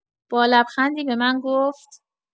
با لبخندی به من گفت